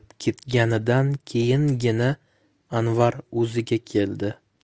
ketganidan keyingina anvar o'ziga keldi